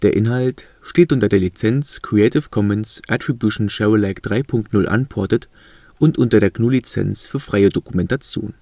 Inhalt steht unter der Lizenz Creative Commons Attribution Share Alike 3 Punkt 0 Unported und unter der GNU Lizenz für freie Dokumentation